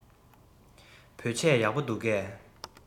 བོད ཆས ཡག པོ འདུག གས